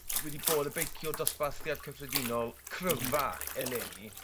wedi bod y beiciwr dosbarthiad cyffredinol cryfa eleni